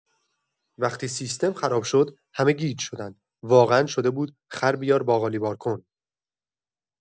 وقتی سیستم خراب شد، همه گیج شدند، واقعا شده بود خر بیار باقالی بار کن.